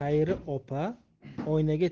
xayri opa oynaga